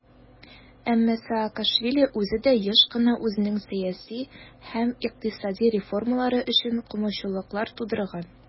Әмма Саакашвили үзе дә еш кына үзенең сәяси һәм икътисади реформалары өчен комачаулыклар тудырган.